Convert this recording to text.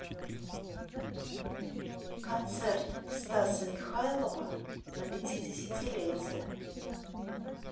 концерт стаса михайлова на пятидесятилетие